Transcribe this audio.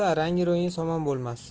rangi ro'ying somon bo'lmas